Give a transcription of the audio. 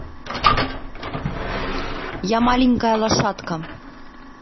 я маленькая лошадка